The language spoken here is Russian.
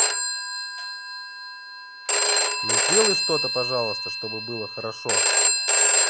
ну сделай что то пожалуйста чтобы было хорошо